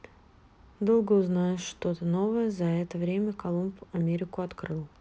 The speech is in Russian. долго узнаешь что то новое за это время колумб америку открыл